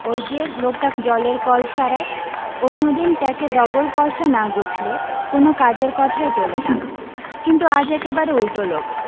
ওই যে লোকটা জলের কল সারায় অন্য দিন ট্যাঁকে ডবল পয়সা না গুঁজলে কোনো কাজের কথাই তোলে না কিন্তু আজ একে বারে উল্টো লোক